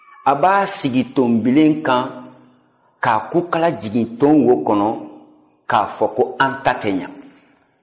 a b'a sigi ntonbilen kan k'a kukala jigin nton wo kɔnɔ k'a fɔ ko an ta tɛ ɲɛ